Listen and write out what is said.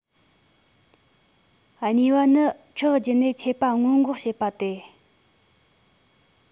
གཉིས པ ནི ཁྲག བརྒྱུད ནས མཆེད པ སྔོན འགོག བྱེད པ སྟེ